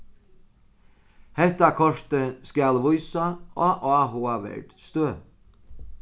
hetta kortið skal vísa á áhugaverd støð